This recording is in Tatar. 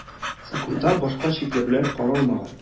Законда башка чикләүләр каралмаган.